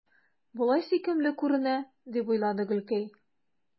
Болай сөйкемле күренә, – дип уйлады Гөлкәй.